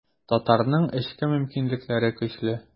Татарның эчке мөмкинлекләре көчле.